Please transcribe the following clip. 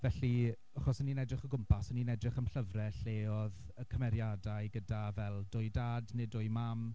Felly achos o'n ni'n edrych o gwmpas o'n ni'n edrych am llyfrau lle oedd y cymeriadau gyda fel dwy dad neu dwy mam.